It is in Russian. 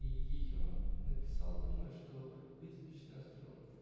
Я ее написал, думая, что выйдет очень остро